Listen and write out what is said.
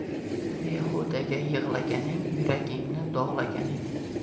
behudaga yig'laganing yuragingni dog'laganing